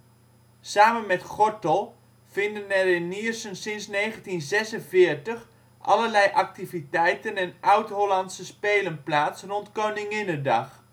Samen met Gortel vinden er in Niersen sinds 1946 allerlei activiteiten en oud-hollandse spelen plaats rond Koninginnedag